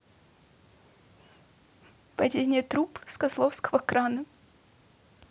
падение труб с козлового крана